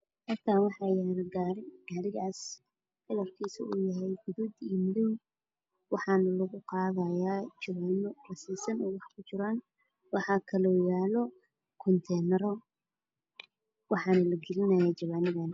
Halkaan waxaa yaalo gari garigaas kalarkiisu uu yahay gaduud iyo madoow waxaana lagu qadaaya jawano riseeysan oo wax ku jiran waxaa kaloo yalo kuntenaro waxaana la gelinayaa jawanadaan